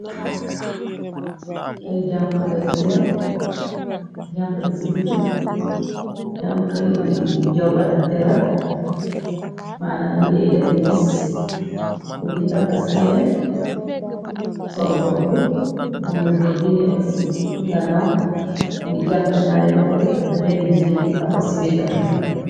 Ay jànx ngai seen, janx bi ci diggi, janxi jongalanté la, manam nyidey def miss mi ngi taka ceen, sol robbu, am na goor bi nekka ci ganaaw, mingi jàppa ñaari loxo yi, amna benne jigéen bu taxaw ci wetam.